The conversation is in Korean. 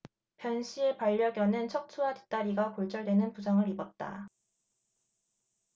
변씨의 반려견은 척추와 뒷다리가 골절되는 부상을 입었다